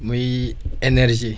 muy énergie